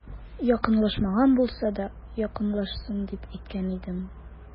Якынлашмаган булса да, якынлашсын, дип әйткән идем.